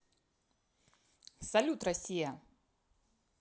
салют россия